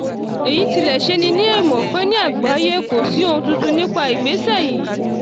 Èyí tilẹ̀ ṣeni ní èèmọ̀, pé ní àgbáyé, kò sí ohun tuntun nípa ìgbésẹ̀ yìí.